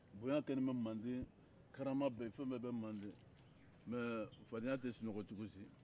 bonya koni bɛ mande karama bɛ yen fɛn bɛɛ bɛ mande mɛ fadenya tɛ sunɔgɔ cogo si